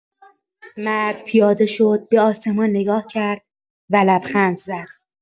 مرد پیاده شد، به آسمان نگاه کرد و لبخند زد.